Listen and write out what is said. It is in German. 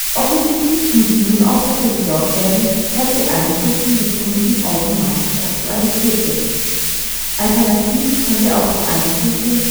Offensichtlich muss nun auch dafür gesorgt werden, dass die Einstufung des Kunden automatisch aktualisiert wird. Alternativ könnte auch die Einstufung